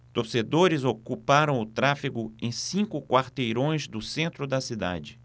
torcedores ocuparam o tráfego em cinco quarteirões do centro da cidade